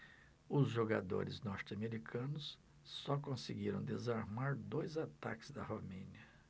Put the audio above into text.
os jogadores norte-americanos só conseguiram desarmar dois ataques da romênia